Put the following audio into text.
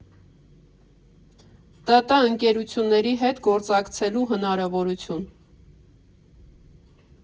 ՏՏ ընկերությունների հետ գործակցելու հնարավորություն։